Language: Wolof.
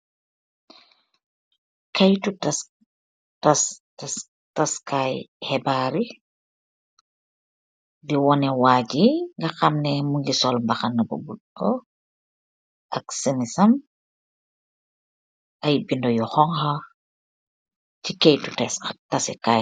Kehtu tass kayii hibaar yi, di woneh waji bunga hamneh mugaa so mbahana bu bulo ak simisam, ayyi bindaa yuu hougka ce kehyeetu tasseh kayee.